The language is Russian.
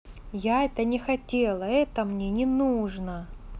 это я не хотела это мне не нужно